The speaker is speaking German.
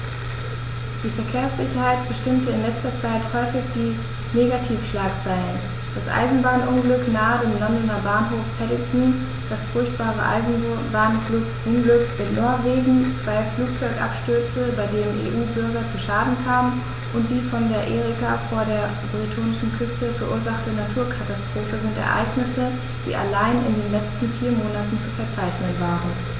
Die Verkehrssicherheit bestimmte in letzter Zeit häufig die Negativschlagzeilen: Das Eisenbahnunglück nahe dem Londoner Bahnhof Paddington, das furchtbare Eisenbahnunglück in Norwegen, zwei Flugzeugabstürze, bei denen EU-Bürger zu Schaden kamen, und die von der Erika vor der bretonischen Küste verursachte Naturkatastrophe sind Ereignisse, die allein in den letzten vier Monaten zu verzeichnen waren.